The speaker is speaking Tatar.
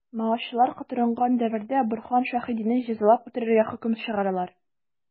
Маочылар котырынган дәвердә Борһан Шәһидине җәзалап үтерергә хөкем чыгаралар.